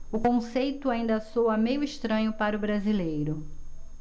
o conceito ainda soa meio estranho para o brasileiro